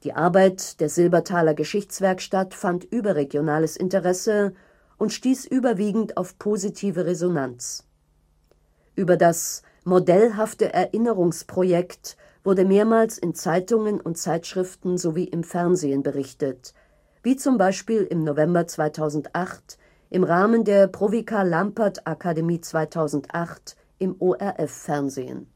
Arbeit der Silbertaler Geschichtswerkstatt fand überregionales Interesse und stieß überwiegend auf positive Resonanz. Über das „ modellhafte Erinnerungsprojekt “wurde mehrmals in Zeitungen und Zeitschriften sowie im Fernsehen berichtet, wie zum Beispiel im November 2008 im Rahmen der Provikar-Lampert-Akademie 2008 im ORF-Fernsehen